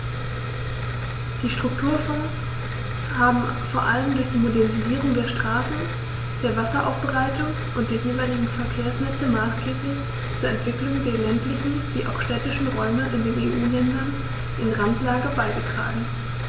Die Strukturfonds haben vor allem durch die Modernisierung der Straßen, der Wasseraufbereitung und der jeweiligen Verkehrsnetze maßgeblich zur Entwicklung der ländlichen wie auch städtischen Räume in den EU-Ländern in Randlage beigetragen.